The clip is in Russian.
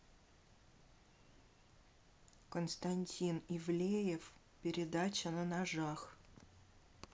константин ивлеев передача на ножах